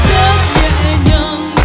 nhàng